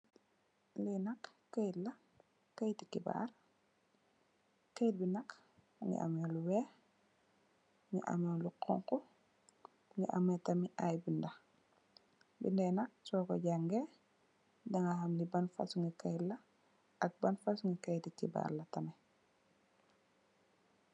Lii nak keit la, keiti khibarr, keit bii nak mungy ameh lu wekh, mungy am lu khonku, mungy ameh tamit aiiy binda, binda yii nak sor kor jangeh danga ham lii ban fasoni keit la ak ban fasoni keiti khibarr la tamit.